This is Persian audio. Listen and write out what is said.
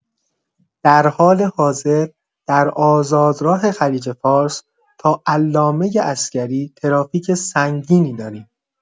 در حال حاضر در آزادراه خلیج‌فارس تا علامه عسگری ترافیک سنگینی داریم.